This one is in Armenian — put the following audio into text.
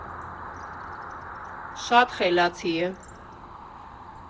Շատ խելացի է։